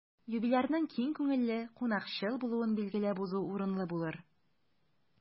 Юбилярның киң күңелле, кунакчыл булуын билгеләп узу урынлы булыр.